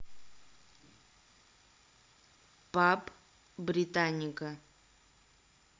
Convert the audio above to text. паб британика